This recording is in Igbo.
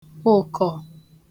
kpụ̀kọ̀